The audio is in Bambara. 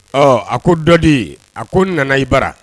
Ɔ a ko dɔdi a ko n nana i bara